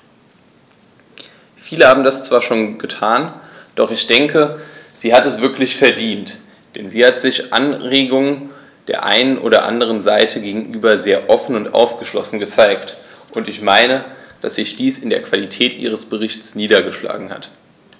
Viele haben das zwar schon getan, doch ich denke, sie hat es wirklich verdient, denn sie hat sich Anregungen der einen und anderen Seite gegenüber sehr offen und aufgeschlossen gezeigt, und ich meine, dass sich dies in der Qualität ihres Berichts niedergeschlagen hat.